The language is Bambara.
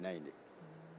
a jiginna yen de